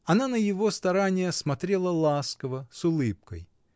Она на его старания смотрела ласково, с улыбкой.